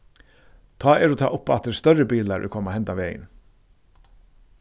tá eru tað uppaftur størri bilar ið koma hendan vegin